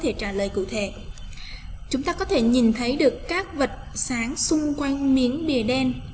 chúng ta có thể nhìn thấy được các vật sáng xung quanh miếng bìa đen